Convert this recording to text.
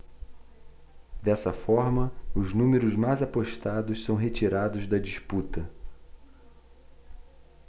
dessa forma os números mais apostados são retirados da disputa